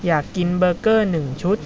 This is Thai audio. อยากกินเบอร์เกอร์หนึ่งชุด